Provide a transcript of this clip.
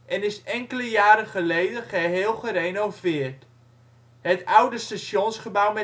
is enkele jaren geleden geheel gerenoveerd. Het oude stationsgebouw